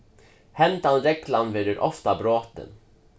hendan reglan verður ofta brotin